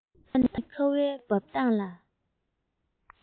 ད ནི ཁ བའི འབབ སྟངས ལ